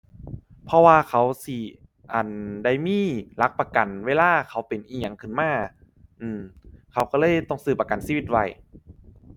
เพราะว่าเขาสิ อั่น ได้มีหลักประกันเวลาเขาเป็นอิหยังขึ้นมา อื้อ เขาก็เลยต้องซื้อประกันชีวิตไว้